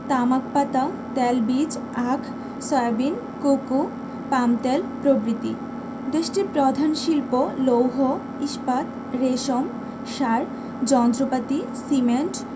তামাক পাতা তেলবীজ আখ সয়াবিন কোকো পামতেল প্রভৃতি দেশটির প্রধান শিল্প লৌহ ইস্পাত রেশম সার যন্ত্রপাতি সিমেন্ট